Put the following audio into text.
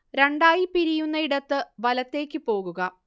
രണ്ടായി പിരിയുന്നയിടത്ത് വലത്തേക്ക് പോകുക